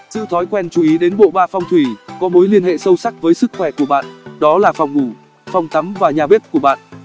giữ thói quen chú ý đến bộ ba phong thủy có mối liên hệ sâu sắc với sức khỏe của bạn đó là phòng ngủ phòng tắm và nhà bếp của bạn